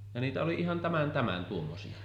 ja niitä oli ihan tämän tämän tuommoisia